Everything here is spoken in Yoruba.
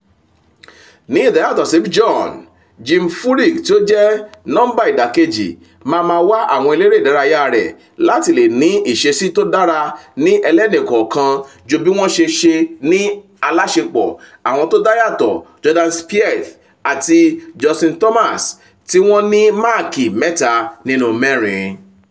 Ní ìdàyàtọ̀ sí Bjorn, opposite number Jim Furyk tí ó jẹ́ nọ́ńbà ìdàkejì máa ma wá àwọn eléré ìdárayá rẹ̀ láti le ní ìṣesí tó dára ní ẹlẹ́nìkọ̀ọ̀kan ju bí wọ́n ṣe ṣe lọ ní aláṣepọ̀, àwọn tó dáyàtọ̀ Jordan Spieth àti Justin Thomas, tí wọ́n ní máàkì mẹ́ta nínú mẹ́rin